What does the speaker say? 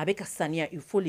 A bɛ ka saniya il faut le dire